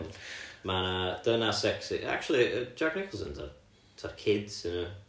ma' 'na dynas secsi acshyli Jack Nicholson ta'r kid sy yna?